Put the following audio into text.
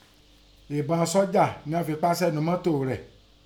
Ẹ̀Ìbọn sọ́jà ni ghọ́n fi pà á sí ẹnú moto o rẹ̀.